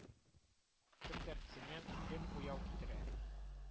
Кемдер цемент, кем буяу китерә